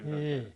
niin